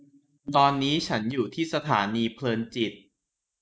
ตอนนี้ฉันอยู่ที่สถานีเพลินจิต